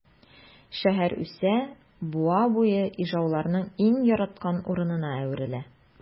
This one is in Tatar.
Шәһәр үсә, буа буе ижауларның иң яраткан урынына әверелә.